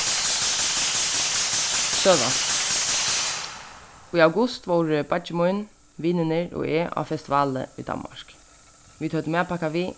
søga í august vóru beiggi mín vinirnir og eg á festivali í danmark vit høvdu matpakka við